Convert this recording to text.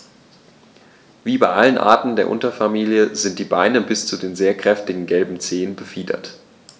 Wie bei allen Arten der Unterfamilie sind die Beine bis zu den sehr kräftigen gelben Zehen befiedert.